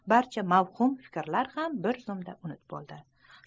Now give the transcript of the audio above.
barcha mavhum fikrlar bir zumda unut bo'ldi